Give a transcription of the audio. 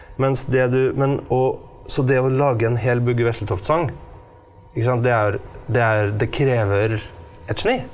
mens det du men og så det å lage en hel Bugge Wesseltoft-sang ikke sant det er det er det krever et geni.